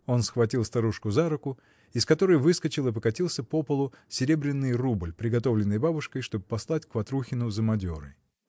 Он схватил старушку за руку, из которой выскочил и покатился по полу серебряный рубль, приготовленный бабушкой, чтоб послать к Ватрухину за мадерой.